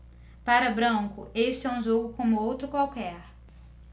para branco este é um jogo como outro qualquer